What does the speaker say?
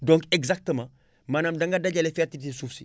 donc exactement maanaam da nga dajale fertilité suuf si